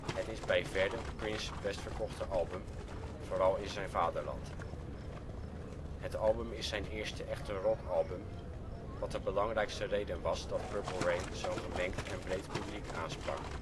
Het is bij verre Princes best verkochte album, vooral in zijn vaderland. Het album is zijn eerste echte rockalbum, wat de belangrijkste reden was dat Purple Rain zo 'n gemengd en breed publiek aansprak